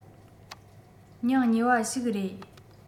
སྙིང ཉེ བ ཞིག རེད